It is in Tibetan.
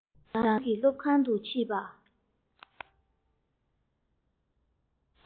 རང རང གི སློབ ཁང དུ ཕྱིན པས